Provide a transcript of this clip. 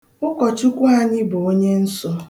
Ụkọchukwu aṇyị bụ onyensọ